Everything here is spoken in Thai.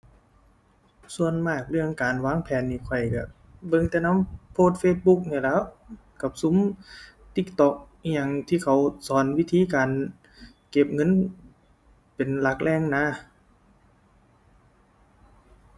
ส่วนมากเรื่องการวางแผนนี่ข้อยก็ เบิ่งแต่นำโพสต์ Facebook นี่แหล้ว กับซุม TikTok อิหยังที่เขาสอนวิธีการเก็บเงินเป็นหลักแหล่งนะ